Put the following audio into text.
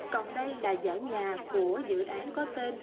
còn đây là dãy nhà của dự án có tên